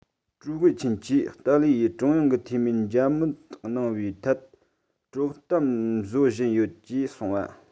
༄༅ ཀྲུའུ ཝེ ཆུན གྱིས ཏཱ ལའི ཡིས ཀྲུང དབྱང གི འཐུས མིས མཇལ མོལ གནང བའི ཐད དཀྲོག གཏམ བཟོ བཞིན ཡོད ཅེས གསུངས པ